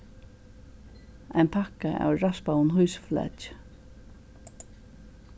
ein pakka av raspaðum hýsuflaki